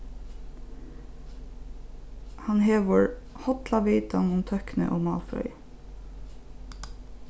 hann hevur holla vitan um tøkni og málfrøði